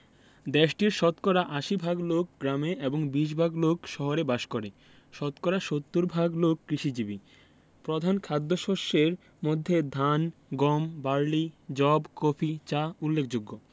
দেশটির শতকরা ৮০ ভাগ লোক গ্রামে এবং ২০ ভাগ লোক শহরে বাস করেশতকরা ৭০ ভাগ লোক কৃষিজীবী প্রধান খাদ্যশস্যের মধ্যে ধান গম বার্লি যব কফি চা উল্লেখযোগ্য